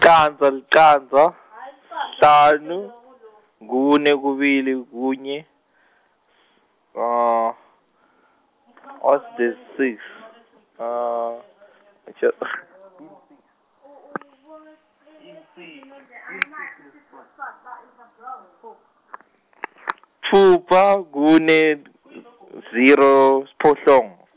candza, licandza, sihlanu, kune, kubili kunye sitfupha, kune, zero, siphohlongo.